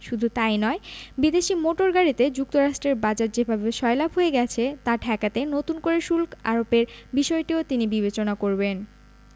শুধু তা ই নয় বিদেশি মোটর গাড়িতে যুক্তরাষ্ট্রের বাজার যেভাবে সয়লাব হয়ে গেছে তা ঠেকাতে নতুন করে শুল্ক আরোপের বিষয়টিও তিনি বিবেচনা করবেন